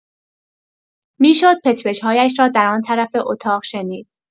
می‌شد پچ‌پچ‌هایش را در آن‌طرف اتاق شنید.